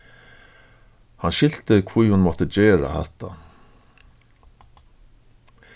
hann skilti hví hon mátti gera hatta